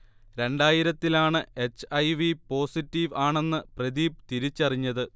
രണ്ടായിരത്തിലാണ് H. I. V positive ആണെന്ന് പ്രദീപ് തിരിച്ചറിഞ്ഞത്